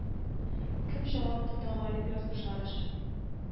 Кем җавап тота гарип язмышлар өчен